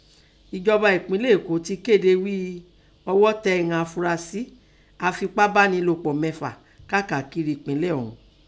Ẹ̀jọba ẹ̀pínlẹ̀ Èkó tẹ kéde ghí i ọghọ́ tẹn tẹ afurasí afipábánilòpọ̀ mẹ́fa káàkiri ẹpínlẹ̀ ọ̀ún.